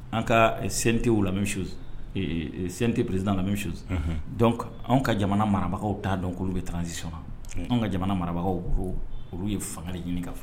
An ka sente la sen tɛ psida lammi su anw ka jamana marabagaw t'a dɔn k olu bɛ transisi anw ka jamana marabagaw olu ye fankelen ɲini faga